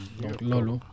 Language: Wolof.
donc loolu